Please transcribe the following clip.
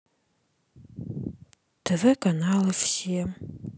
тв каналы все